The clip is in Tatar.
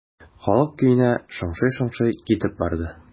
Халык көенә шыңшый-шыңшый китеп барды.